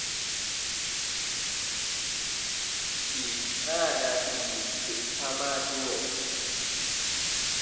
อีกห้านาทีปิดผ้าม่านด้วย